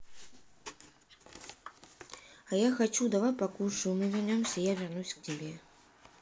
а я хочу давай я покушаю и мы вернемся я вернусь к тебе